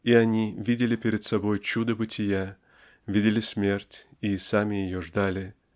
и они видели перед собой чудо бытия видели смерть и сами ее ждали.